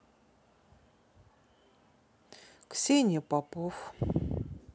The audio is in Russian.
ксения попов